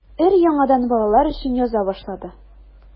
Өр-яңадан балалар өчен яза башлады.